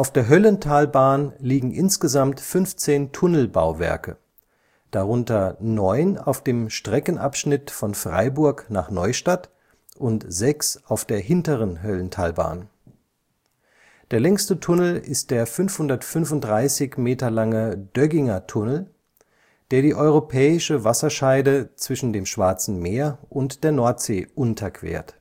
der Höllentalbahn liegen insgesamt 15 Tunnelbauwerke, darunter neun auf dem Streckenabschnitt von Freiburg nach Neustadt und sechs auf der Hinteren Höllentalbahn. Der längste Tunnel ist der 535 Meter lange Dögginger Tunnel, der die europäische Wasserscheide zwischen dem Schwarzen Meer und der Nordsee unterquert